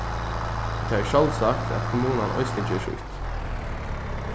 tí tað er sjálvsagt at kommunan eisini ger sítt